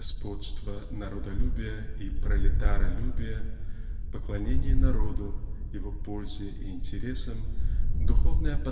господство народолюбия и пролетаролюбия поклонение народу" его пользе и интересам духовная .